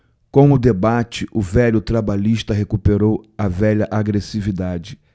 com o debate o velho trabalhista recuperou a velha agressividade